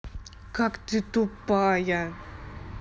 как ты тупая